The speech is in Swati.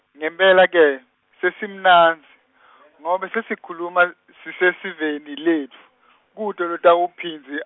ngempela ke sesimnandzi , ngobe sesikhuluma siseveni letfu kute lotawuphindze.